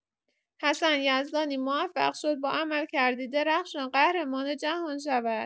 حسن یزدانی موفق شد با عملکردی درخشان، قهرمان جهان شود.